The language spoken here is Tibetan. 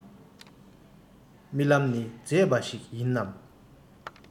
རྨི ལམ ནི མཛེས པ ཞིག ཡིན ནམ